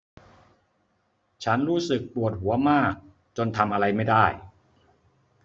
ฉันรู้สึกปวดหัวมากจนทำอะไรไม่ได้